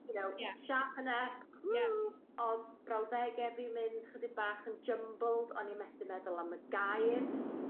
you know. Ie. Sharpen up. Woo'oo . O'dd brawddege fi'n mynd chydig bach yn jymbled o'n i methu meddwl am y gair